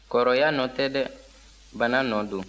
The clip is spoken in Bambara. kɔrɔya nɔ tɛ dɛ bana nɔ don